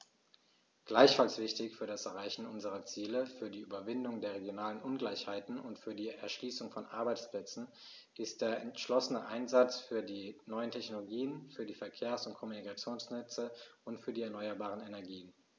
Gleichfalls wichtig für das Erreichen unserer Ziele, für die Überwindung der regionalen Ungleichheiten und für die Erschließung von Arbeitsplätzen ist der entschlossene Einsatz für die neuen Technologien, für die Verkehrs- und Kommunikationsnetze und für die erneuerbaren Energien.